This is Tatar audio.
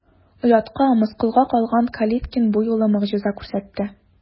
Оятка, мыскылга калган Калиткин бу юлы могҗиза күрсәтте.